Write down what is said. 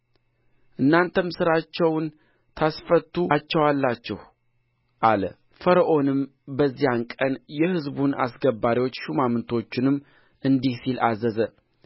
እናንተም ሥራቸውን ታስፈቱአቸዋላችሁ አለ ፈርዖንም በዚያን ቀን የሕዝቡን አስገባሪዎች ሹማምቶቹንም እንዲህ ሲል አዘዘ